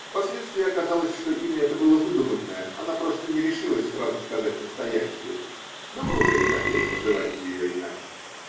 впоследствии оказалось, что имя это было выдуманное, она просто не решилась сразу сказать настоящее, но мы уже не хотели называть ее иначе.